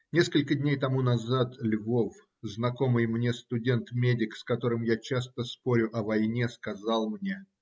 Несколько дней тому назад Львов, знакомый мне студент-медик, с которым я часто спорю о войне, сказал мне